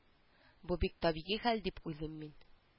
Бу бик табигый хәл дип уйлыйм мин